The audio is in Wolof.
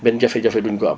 benn jafe-jafe duñ ko am